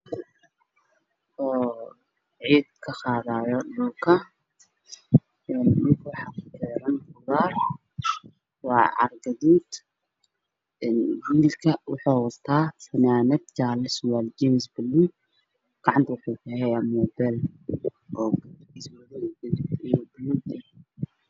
Oo ciid ka qaadayo dhulka carro gaduud ah, wiilku waxuu wataa fanaanad iyo surwaal jeemis buluug ah, gacanta waxuu kuhayaa muubeel oo gaduud iyo madow ah.